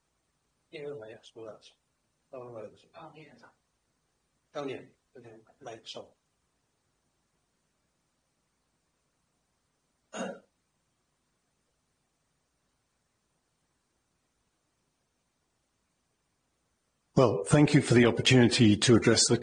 Down here. lights on. Well thank you for the opportunity to address